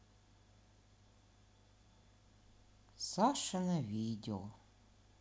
сашино видео